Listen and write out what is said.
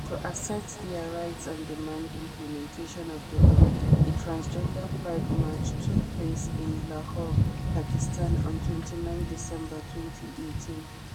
To assert their rights and demand implementation of the law, a Transgender Pride March took place in Lahore, Pakistan, on 29 December 2018.